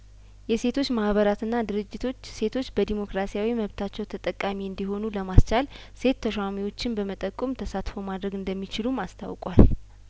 የሴቶች ማህበራትና ድርጅቶች ሴቶች በዴሞክራሲያዊ መብታቸው ተጠቃሚ እንዲሆኑ ለማስቻል ሴት ተሿሚዎችን በመጠቆም ተሳትፎ ማድረግ እንደሚችሉም አስታውቋል